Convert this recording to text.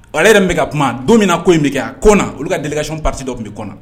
Ale yɛrɛ bɛka ka kuma don min na ko in bɛ kɛ a ko na olu ka delikasi pa dɔw tun bɛ kɔnɔ na